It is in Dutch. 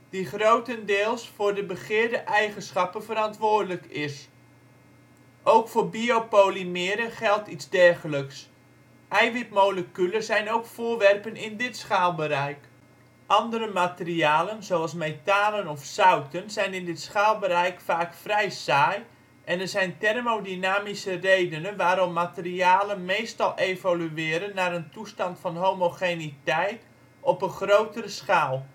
die grotendeels voor de begeerde eigenschappen verantwoordelijk is. Ook voor biopolymeren geldt iets dergelijks: eiwitmoleculen zijn ook voorwerpen in dit schaalbereik. Andere materialen zoals metalen of zouten zijn in dit schaalbereik vaak vrij saai en er zijn thermodynamische redenen waarom materialen meestal evolueren naar een toestand van homogeniteit op een grotere schaal